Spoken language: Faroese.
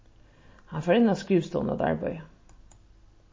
hann fór inn á skrivstovuna at arbeiða